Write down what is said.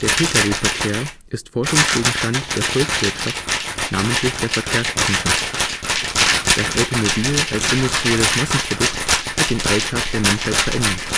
Pkw-Verkehr ist Forschungsgegenstand der Volkswirtschaft, namentlich der Verkehrswissenschaft. Das Automobil als industrielles Massenprodukt hat den Alltag der Menschheit verändert